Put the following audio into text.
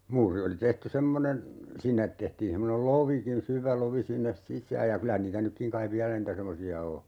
muuri oli tehty semmoinen sinne tehtiin semmoinen lovikin syvä lovi sinne sisään ja kyllä niitä nytkin kai vielä niitä semmoisia on